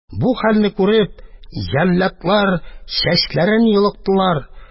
Бу хәлне күреп, җәлладлар чәчләрен йолыктылар